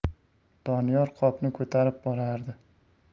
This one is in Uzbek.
doniyor qopni ko'tarib borardi